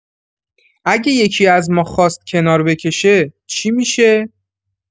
اگه یکی‌از ما خواست کنار بکشه، چی می‌شه؟